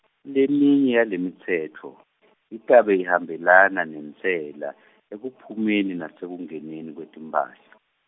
leminye yalemitsetfo, itabe ihambelana nentsela, ekuphumeni nasekungeneni kwetimphahla.